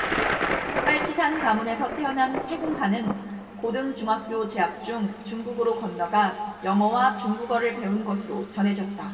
빨치산 가문에서 태어난 태 공사는 고등중학교 재학 중 중국으로 건너가 영어와 중국어를 배운 것으로 전해졌다